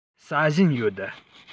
ཟ བཞིན ཡོད